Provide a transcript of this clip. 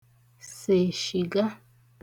sè shị̀ga